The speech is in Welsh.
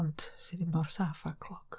Ond sydd ddim mor saff â cloc.